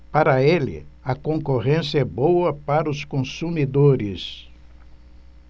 para ele a concorrência é boa para os consumidores